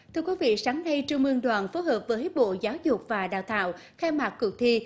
thưa quý vị sáng nay trung ương đoàn phối hợp với bộ giáo dục và đào tạo khai mạc cuộc thi